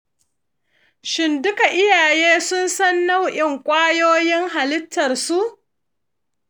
shin duka iyaye sun san nau’in kwayoyin halittarsu?